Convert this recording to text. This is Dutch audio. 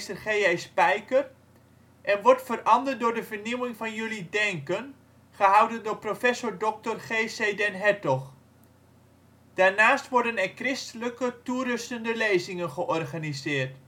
G. J. Spijker en " Wordt veranderd door de vernieuwing van jullie denken! " gehouden door prof. dr. G.C. den Hertog. Daarnaast worden er christelijk toerustende lezingen georganiseerd